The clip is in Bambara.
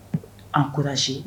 An kosi